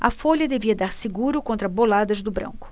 a folha devia dar seguro contra boladas do branco